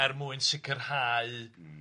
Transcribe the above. er mwyn sicrhau... Mm...